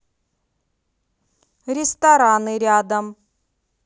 рестораны рядом